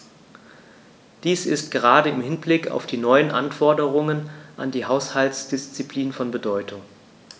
Dies ist gerade im Hinblick auf die neuen Anforderungen an die Haushaltsdisziplin von Bedeutung.